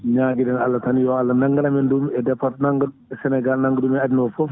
ñaguira Allah tan yo Allah naganamen ɗum e départ nangga e Sénégal nangga ɗum e aduna o foof